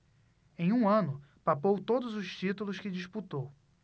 em um ano papou todos os títulos que disputou